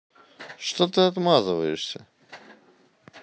что ты отмазываешься